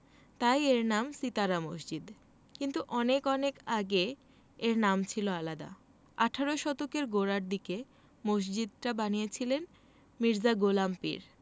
তাই এর নাম সিতারা মসজিদ কিন্তু অনেক অনেক আগে এর নাম ছিল আলাদা আঠারো শতকের গোড়ার দিকে মসজিদটা বানিয়েছিলেন মির্জা গোলাম পীর